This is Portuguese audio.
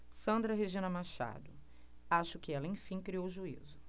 sandra regina machado acho que ela enfim criou juízo